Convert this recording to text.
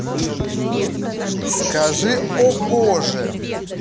скажи о боже